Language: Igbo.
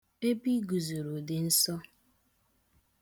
Ebe ị guzoro dị nsọ.